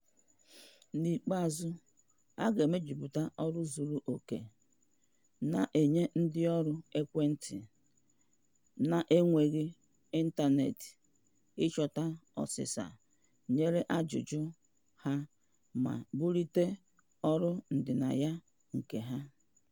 N'ikpeazụ, a ga-emejupụta ọrụ zuru oke na-enye ndịọrụ ekwentị na-enweghị ịntaneetị ịchọta ọsịsa nyere ajụjụ ha ma bulite olu ndịnaya nke ha.